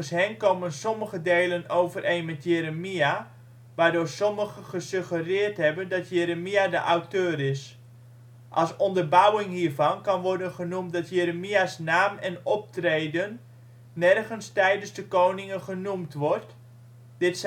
hen komen sommige delen overeen met Jeremia, waardoor sommigen gesuggereerd hebben dat Jeremia de auteur is. Als onderbouwing hiervan kan worden genoemd dat Jeremia 's naam en optreden nergens tijdens de Koningen genoemd wordt - dit